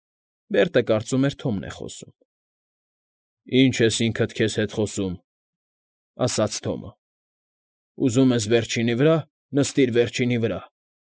Բերտը կարծում էր Թոմն է խոսում։ ֊ Ի՞նչ ես ինքդ քեզ հետ խոսում,֊ ասաց Թոմը։֊ Ուզում ես վերջինի վրա, նստիր վերջինի վրա։